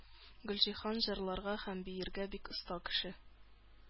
Гөлҗиһан җырларга һәм биергә бик оста кеше.